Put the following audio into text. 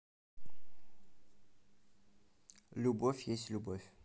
любовь есть любовь